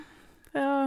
Og...